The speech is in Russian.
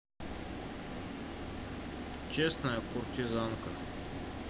честная куртизанка